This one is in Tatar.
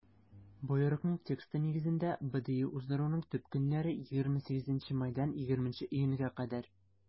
Боерыкның тексты нигезендә, БДИ уздыруның төп көннәре - 28 майдан 20 июньгә кадәр.